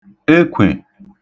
ekẇè